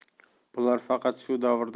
bular faqat shu davrdagi